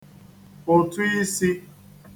ụ̀tụisī